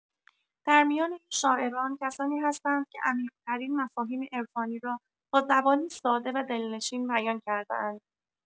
در میان این شاعران، کسانی هستند که عمیق‌ترین مفاهیم عرفانی را با زبانی ساده و دلنشین بیان کرده‌اند.